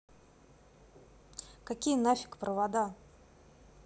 какие нафиг провода